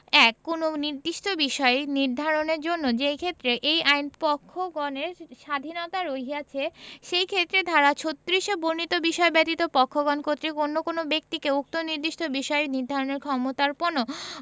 ১ কোন নির্দিষ্ট বিষয় নির্ধারণের জন্য যেইক্ষেত্রে এই আইন পক্ষগণের স্বাধীণতা রহিয়াছে সেইক্ষেত্রে ধারা ৩৬ এ বর্ণিত বিষয় ব্যতীত পক্ষগণ কর্তৃক অন্য কোন ব্যক্তিকে উক্ত নির্দিষ্ট বিষয় নিধারণের ক্ষমতার্পণও